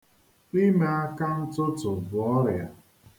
Ime akantụtụ bụ ọrịa.